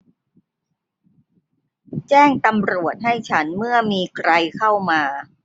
แจ้งตำรวจให้ฉันเมื่อมีใครเข้ามา